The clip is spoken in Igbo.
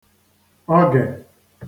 ọgẹ̀